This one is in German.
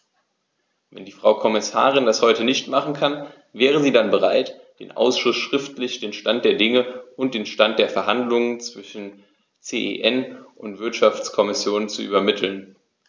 Wenn die Frau Kommissarin das heute nicht machen kann, wäre sie dann bereit, dem Ausschuss schriftlich den Stand der Dinge und den Stand der Verhandlungen zwischen CEN und Wirtschaftskommission zu übermitteln?